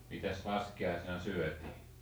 mitäs laskiaisena syötiin